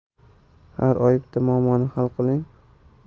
har oy bitta muammoni hal qiling